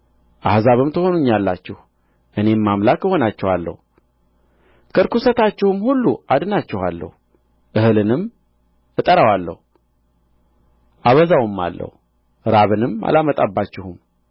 አሕዛብም ትሆኑኛላችሁ እኔም አምላክ እሆናችኋለሁ ከርኵሰታችሁም ሁሉ አድናችኋለሁ እህልንም እጠራዋለሁ አበዛውማለሁ ራብንም አላመጣባችሁም